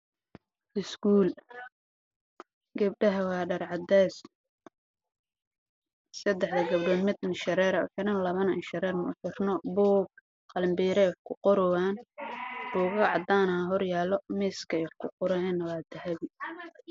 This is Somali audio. Waa saddex gabdhood oo iskuul dugsi sare oo dhigeen oo dharkoodu yahay caddaan mid waxay qabteen shirar labada kalena ma qabaan waxbay gacanta ku hayaan qorayaan